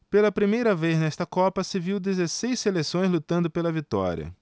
pela primeira vez nesta copa se viu dezesseis seleções lutando pela vitória